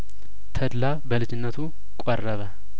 ተድላ በልጅነቱ ቆረበ